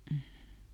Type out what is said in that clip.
mm